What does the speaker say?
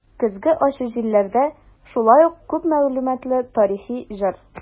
"көзге ачы җилләрдә" шулай ук күп мәгълүматлы тарихи җыр.